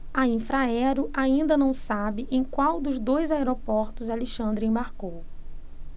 a infraero ainda não sabe em qual dos dois aeroportos alexandre embarcou